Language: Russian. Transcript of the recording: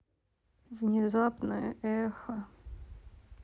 внезапное эхо